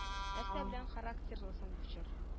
Нәрсә белән характерлы соң бу чор